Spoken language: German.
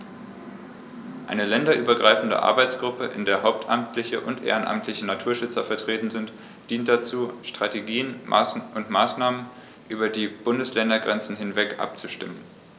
Eine länderübergreifende Arbeitsgruppe, in der hauptamtliche und ehrenamtliche Naturschützer vertreten sind, dient dazu, Strategien und Maßnahmen über die Bundesländergrenzen hinweg abzustimmen.